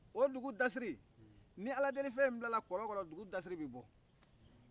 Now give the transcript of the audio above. o dugu dasiri n' ala deli fɛn in bilala kɔlɔn kɔnɔ dugu dasiri bɛ bɔ